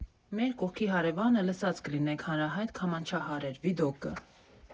Մեր կողքի հարևանը, լսած կլինեք, հանրահայտ քամանչահար էր, Վիդոկը։